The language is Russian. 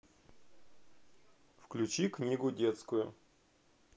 включи книгу детскую